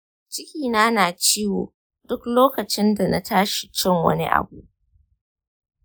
cikina na ciwo duk lokacin dana tashi cin wani abu